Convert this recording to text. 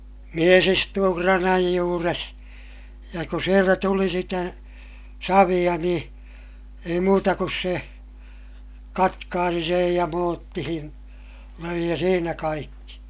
mies istui kranan juuressa ja kun sieltä tuli sitä savea niin ei muuta kuin se katkaisi sen ja muottiin löi ja siinä kaikki